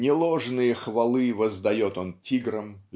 неложные хвалы воздает он тиграм